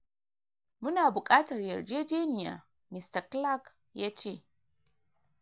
“Mu na bukatar yarjejeniya,” Mr Clark ya ce.